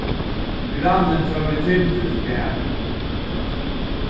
grannin fór við timbri til garðin